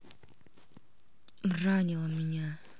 ранила меня